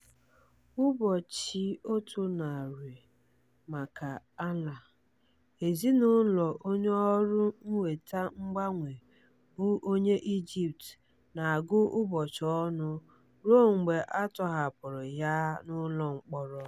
Ụbọchị 100 maka Alaa: Ezinụlọ onye ọrụ mweta mgbanwe bụ onye Egypt na-agụ ụbọchị ọnụ ruo mgbe a tọhapụrụ ya n'ụlọ mkpọrọ